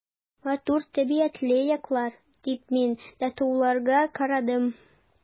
Матур табигатьле яклар, — дип мин дә тауларга карадым.